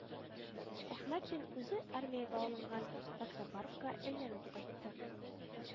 Әхмәтшин үзе армиягә алынган таксопаркка әйләнеп кайтты